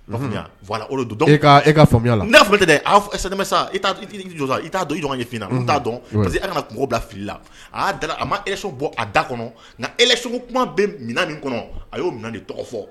Olu don e ka faamuyaya la n'a f tɛ sa i t'a don jɔnfin t'a dɔn e ka kungo bila fili la'a dara a ma eso bɔ a da kɔnɔ nka eso kuma bɛ minɛn min kɔnɔ a y'o minɛn de tɔgɔ fɔ